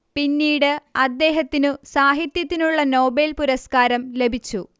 പിന്നീട് അദ്ദേഹത്തിനു സാഹിത്യത്തിനുള്ള നോബേൽ പുരസ്കാരം ലഭിച്ചു